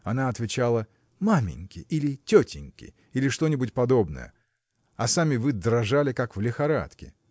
она отвечала маменьке или тетеньке или что-нибудь подобное а сами вы дрожали как в лихорадке.